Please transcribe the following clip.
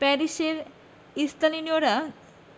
প্যারিসের স্তালিনীয়রা